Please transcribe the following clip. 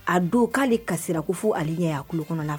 A don k'ale kasira ko fo' ɲɛya kulu kɔnɔ